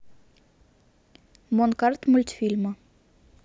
монкарт мультфильмы